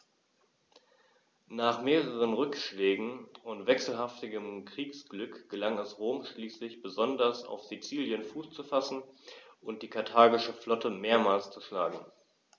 Nach mehreren Rückschlägen und wechselhaftem Kriegsglück gelang es Rom schließlich, besonders auf Sizilien Fuß zu fassen und die karthagische Flotte mehrmals zu schlagen.